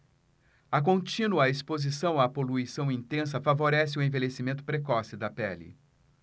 a contínua exposição à poluição intensa favorece o envelhecimento precoce da pele